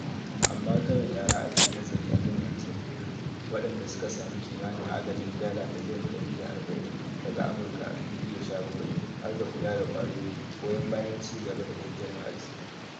Amma kawai tara aka yi nazari akan El Salvador, waɗanda suka samu kimanin agajin dala miliyan 140 daga Amurka a 2017, harda kula da kwayoyi, goyon bayan ci gaba da tattalin arziki.